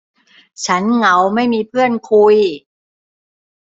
ฉันเหงาไม่มีเพื่อนคุย